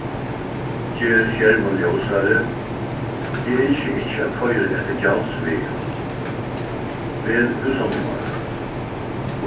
ger skermin ljósari eg ynski ikki at koyra eftir gjaldsvegum vel húsanummar